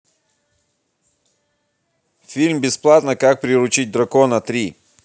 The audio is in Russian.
фильм бесплатно как приручить дракона три